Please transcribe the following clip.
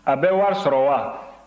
a bɛ wari sɔrɔ wa